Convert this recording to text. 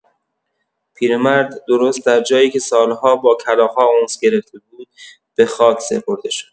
پیرمرد درست در جایی که سال‌ها با کلاغ‌ها انس گرفته بود، به خاک سپرده شد.